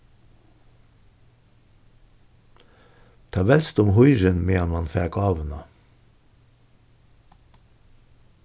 tað veldst um hýrin meðan mann fær gávuna